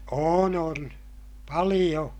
on on paljon